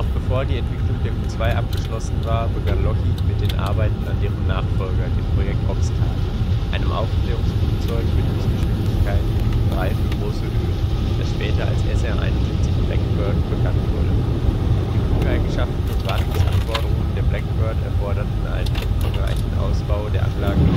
bevor die Entwicklung der U-2 abgeschlossen war, begann Lockheed mit den Arbeiten an deren Nachfolger, dem Projekt Oxcart, einem Aufklärungsflugzeug mit Höchstgeschwindigkeit Mach 3 für große Höhen, das später als SR-71 Blackbird bekannt wurde. Die Flugeigenschaften und Wartungsanforderungen der Blackbird erforderten einen umfangreichen Ausbau der Anlagen